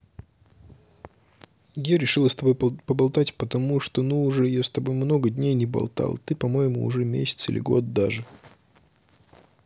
я решила с тобой поболтать потому что ну уже я с тобой много дней не болтала ты по моему уже месяц или год даже